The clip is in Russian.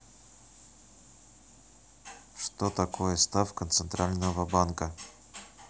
что такое ставка центрального банка